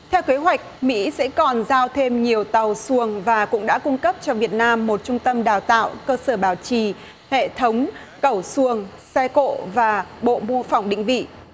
theo kế hoạch mỹ sẽ còn giao thêm nhiều tàu xuồng và cũng đã cung cấp cho việt nam một trung tâm đào tạo cơ sở bảo trì hệ thống cẩu xuồng xe cộ và bộ mô phỏng định vị